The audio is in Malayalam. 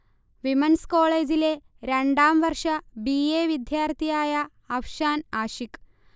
വിമൻസ് കോളേജിലെ രണ്ടാം വർഷ ബി. എ. വിദ്യാർഥിയായ അഫ്ഷാൻ ആഷിഖ്